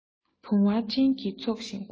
བུང བ སྤྲིན གྱི ཚོགས བཞིན འཁོར